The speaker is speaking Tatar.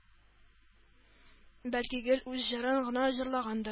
Бәлки, гел үз җырын гына җырлагандыр